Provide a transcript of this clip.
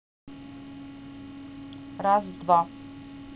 раз два